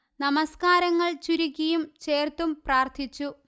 നമസ്കാരങ്ങള് ചുരുക്കിയും ചേര്ത്തും പ്രാര്ഥിച്ചു